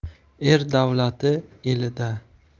er davlati elida